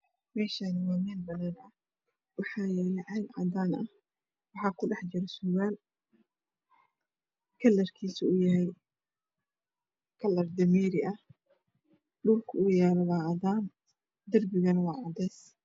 Meshaan waa meel banaan aha waxaa yaalo caag cadaana ah waxaa ku dhax jiro surwaal kalrkiisu uuyahay kalar dameeri ah dhulku waa cadaan darpigana waa cadees